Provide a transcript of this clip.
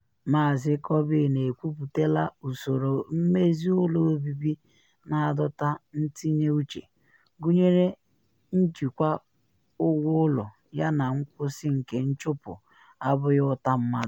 Maazị Corbyn ekwuputela usoro mmezi ụlọ obibi na adọta ntinye uche, gụnyere njikwa ụgwọ ụlọ yana nkwụsị nke nchụpụ “abụghị ụta mmadụ”.